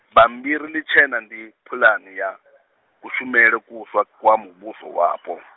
bambiri ḽitshena ndi pulane ya , kushumele kutswa kwa muvhuso wapo.